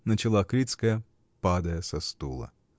— начала Крицкая, падая со стула.